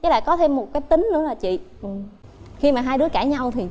với lại có thêm một cá tính nữa là chị khi mà hai đứa cãi nhau thì